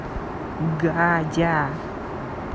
гадя